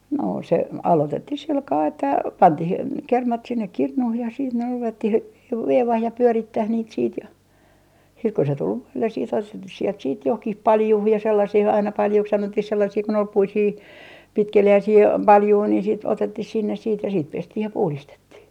no se aloitettiin sillä kalella että pantiin kermat sinne kirnuun ja sitten ne ruvettiin - veivaamaan ja pyörittämään niitä sitten ja sitten kun se tuli voille sitten sieltä johonkin paljuun ja sellaisia aina paljuiksi sanottiin sellaisia kun oli puisia pitkeliäisiä paljuja niin sitten otettiin sinne siitä ja siitä pestiin ja puhdistettiin